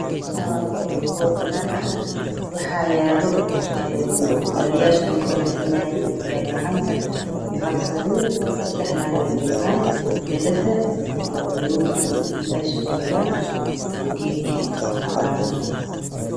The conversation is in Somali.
Meeshaan waa ge mugoo banaan ah waxaa yaalo een gaariyaasha lagu ganacsanaayi gaari gacanka iyo hal sariir sedex naagaa joogaan dallada iyo nimankii meesha joogaan iyo geedka cagaaran